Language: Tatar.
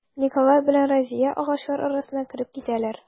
Николай белән Разия агачлар арасына кереп китәләр.